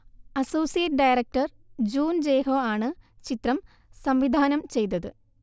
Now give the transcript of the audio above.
associate director ജൂൻ ജയ്ഹോ ആണ് ചിത്രം സംവിധാനം ചെയ്തത്